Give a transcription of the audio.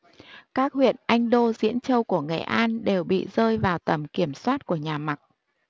các huyện anh đô diễn châu của nghệ an đều bị rơi vào tầm quyển soát của nhà mặc